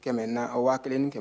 Kɛmɛ n' a wa kelen ni kɛmɛ